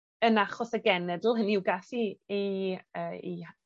yn achos y genedl hynny yw gath ei yy 'i a-